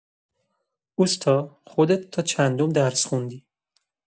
اوستا، خودت تا چندم درس خوندی؟